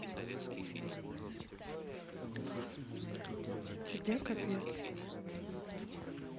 тебе капец